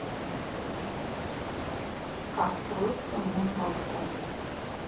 как строится мон волком